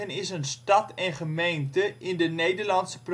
is een stad en gemeente in de Nederlandse